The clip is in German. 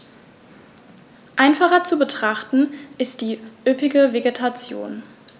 Einfacher zu betrachten ist die üppige Vegetation.